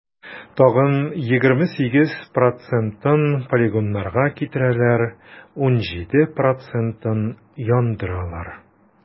Тагын 28 процентын полигоннарга китерәләр, 17 процентын - яндыралар.